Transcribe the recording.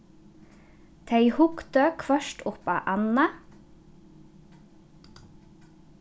tey hugdu hvørt upp á annað